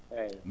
eeyi